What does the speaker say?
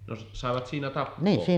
no saivat siinä tappaa